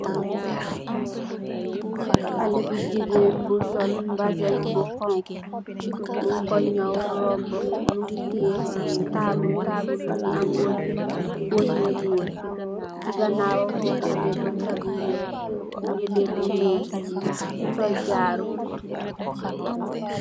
Haleh bu jegain bu sol bazin bu hauhu mug ku nyaw rouba muge teyeh table, table be muge am weah ye weah yu nuul se ganawam muge ameh bunta bu weehe muge letou mess sol jaaru.